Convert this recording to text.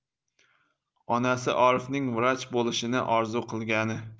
onasi orifning vrach bo'lishini orzu qilgani